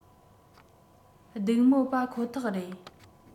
སྡུག མོ པ ཁོ ཐག རེད